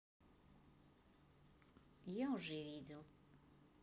я уже видел